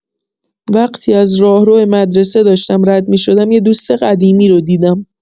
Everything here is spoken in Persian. وقتی از راهرو مدرسه داشتم رد می‌شدم، یه دوست قدیمی رو دیدم.